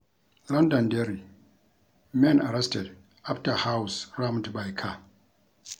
Londonderry: Men arrested after house rammed by car